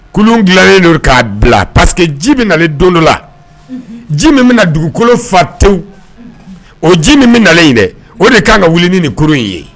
Kulu gililanlen don ka bila parceque ji bɛ na len don dɔ la . Ji min bi na dugukolo fa tewu . O ji min bɛ na len dɛ o de kan ka wuli ni kuru in ye